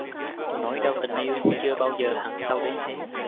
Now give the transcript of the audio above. nỗi đau tình yêu chưa bao giờ hằn sâu đến thế